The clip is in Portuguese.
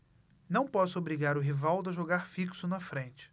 não posso obrigar o rivaldo a jogar fixo na frente